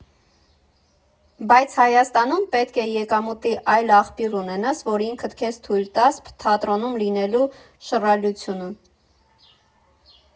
Բայց Հայաստանում պետք է եկամուտի այլ աղբյուր ունենաս, որ ինքդ քեզ թույլ տաս թատրոնում լինելու շռայլությունը։